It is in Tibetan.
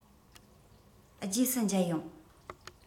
རྗེས སུ མཇལ ཡོང